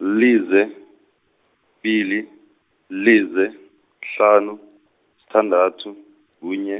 lize, kubili, lize, kuhlanu, sithandathu, kunye,